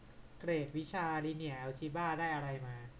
เกรดวิชาลิเนียร์แอลจิบ้าได้อะไรมา